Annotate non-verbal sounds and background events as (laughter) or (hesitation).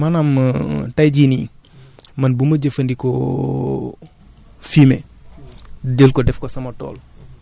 (hesitation) (hesitation) dëgg la (hesitation) maanaam (hesitation) tay jii nii man bu ma jëfandikoo (hesitation) fumier